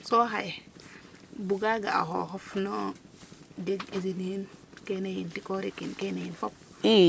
so xaye buga ga a xoxof no jeg usine niin kene yiin kene yin tikore kin fop